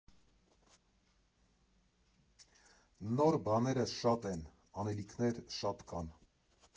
Նոր բաները շատ են, անելիքներ շատ կան։